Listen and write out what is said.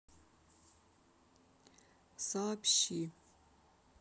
сообщи